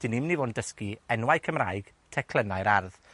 'dyn ni myn' i fod yn dysgu enwau Cymraeg teclynnau'r ardd.